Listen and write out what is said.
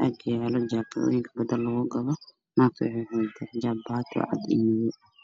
oo wadato xijaab madow ah iyo cadan ah